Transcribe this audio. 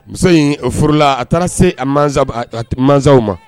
Muso in o forola a taara se mɔnzw ma